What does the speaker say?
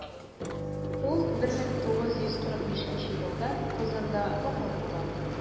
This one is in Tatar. Ул 1945 елда Казанда вафат була.